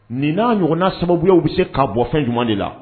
Nin n'a ɲɔgɔnna sababuyaw bɛ se ka bɔ fɛn jumɛn de la